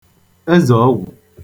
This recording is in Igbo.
ezèọgwụ̀